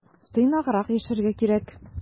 Тыйнаграк яшәргә кирәк.